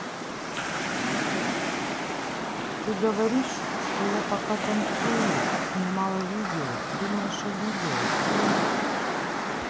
ты говоришь что я пока танцуют снимала видео думаешь обиделась нет